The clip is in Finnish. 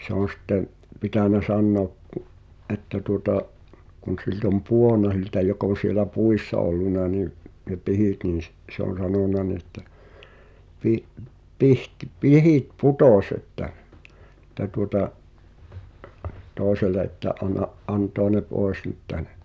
se on sitten pitänyt sanoa kun että tuota kun siltä on pudonnut siltä joka on siellä puissa ollut niin ne pihdit niin - se on sanonut niin että -- pihdit putosi että että tuota toiselle että anna antaa ne pois nyt tänne